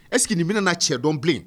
Ɛsseke nin bɛna na cɛ dɔnbilen